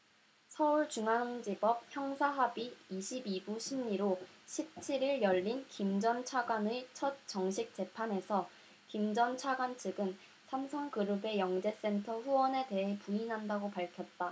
서울중앙지법 형사합의 이십 이 부 심리로 십 칠 일 열린 김 전 차관의 첫 정식 재판에서 김 전 차관 측은 삼성그룹의 영재센터 후원에 대해 부인한다고 밝혔다